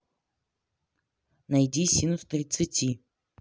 найди синус тридцати